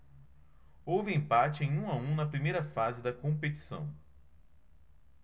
houve empate em um a um na primeira fase da competição